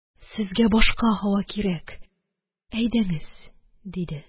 Сезгә башка һава кирәк, әйдәңез! – диде.